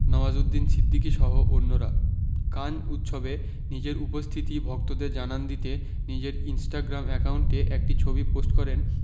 নওয়াজুদ্দিন সিদ্দিকীসহ অন্যরা কান উৎসবে নিজের উপস্থিতি ভক্তদের জানান দিতে নিজের ইনস্টাগ্রাম অ্যাকাউন্টে একটি ছবি পোস্ট করেন